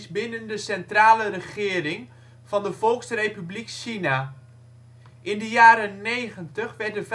binnen de centrale regering van de Volksrepubliek China. In de jaren ' 90 werd er vaak